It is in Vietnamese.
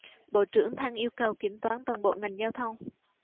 bộ trưởng thăng yêu cầu kiểm toán toàn bộ ngành giao thông